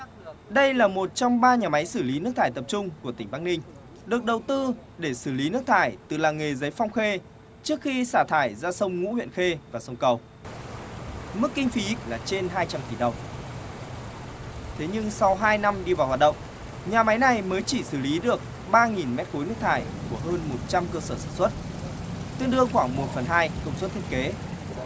đây là một trong ba nhà máy xử lý nước thải tập trung của tỉnh bắc ninh được đầu tư để xử lý nước thải từ làng nghề giấy phong khê trước khi xả thải ra sông ngũ huyện khê và sông cầu mức kinh phí là trên hai trăm tỷ đồng thế nhưng sau hai năm đi vào hoạt động nhà máy này mới chỉ xử lý được ba nghìn mét khối nước thải của hơn một trăm cơ sở sản xuất tương đương khoảng một phần hai công suất thiết kế